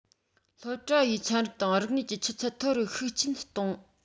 སློབ གྲྭ བའི ཚན རིག དང རིག གནས ཀྱི ཆུ ཚད མཐོ རུ ཤུགས ཆེན གཏོང